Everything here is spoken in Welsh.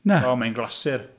Na... O, mae'n glasur.